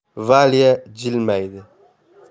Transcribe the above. valya jilmaydi